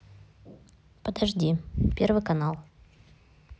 подожди первый канал